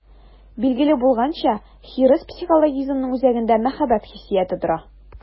Билгеле булганча, хирыс психологизмының үзәгендә мәхәббәт хиссияте тора.